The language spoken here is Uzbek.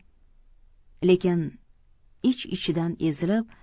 lekin ich ichidan ezilib